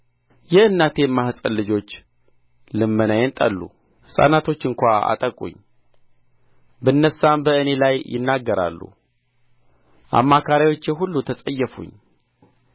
የእናቴም ማኅፀን ልጆች ልመናዬን ጠሉ ሕፃናቶች እንኳ አጠቁኝ ብነሣም በእኔ ላይ ይናገራሉ አማካሪዎቼ ሁሉ ተጸየፉኝ